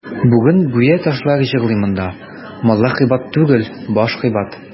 Бүген гүя ташлар җырлый монда: «Маллар кыйбат түгел, баш кыйбат».